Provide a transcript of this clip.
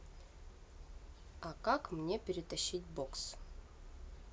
а как мне перетащить бокс